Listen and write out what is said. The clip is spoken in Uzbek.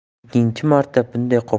ikkinchi marta bunday